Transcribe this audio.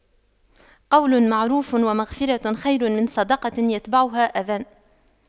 قَولٌ مَّعرُوفٌ وَمَغفِرَةُ خَيرٌ مِّن صَدَقَةٍ يَتبَعُهَا أَذًى